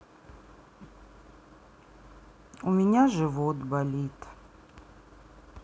у меня живот болит